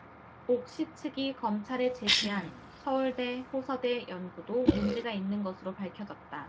옥시 측이 검찰에 제시한 서울대 호서대 연구도 문제가 있는 것으로 밝혀졌다